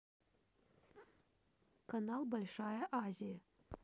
канал большая азия